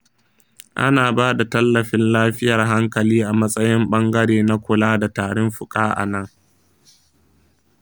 ana ba da tallafin lafiyar hankali a matsayin ɓangare na kula da tarin fuka a nan.